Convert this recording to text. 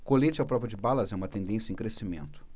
colete à prova de balas é uma tendência em crescimento